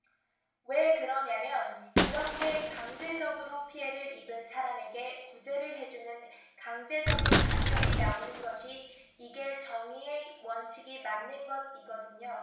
왜 그러냐면 이렇게 강제적으로 피해를 입은 사람에게 구제를 해 주는 강제적인 판결이 나오는 것이 이게 정의의 원칙에 맞는 것이거든요